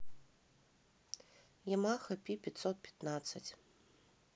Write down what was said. ямаха пи пятьсот пятнадцать